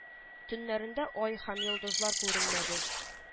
Төннәрендә ай һәм йолдызлар күренмәде